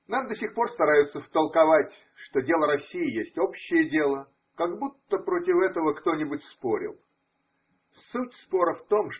Нам до сих пор стараются втолковать, что дело России есть общее дело, как будто против этого кто-нибудь спорил. Суть спора в том.